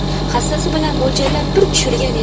hassasi bilan mo'ljallab bir tushirgan edi